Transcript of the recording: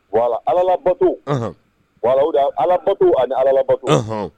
Wala alalabato wala alabatu ani alalabato